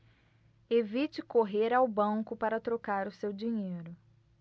evite correr ao banco para trocar o seu dinheiro